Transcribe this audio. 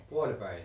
puolipäinen